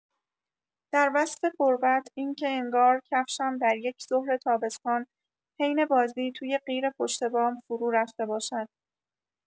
در وصف غربت اینکه انگار کفشم در یک ظهر تابستان، حین بازی، توی قیر پشت‌بام فرورفته باشد.